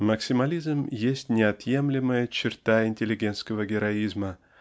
Максимализм есть неотъемлемая черта интеллигентского героизма